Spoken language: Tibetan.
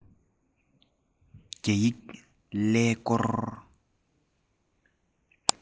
རྒྱ ཡིག ཀླད ཀོར